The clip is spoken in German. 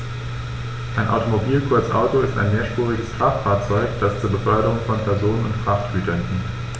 Ein Automobil, kurz Auto, ist ein mehrspuriges Kraftfahrzeug, das zur Beförderung von Personen und Frachtgütern dient.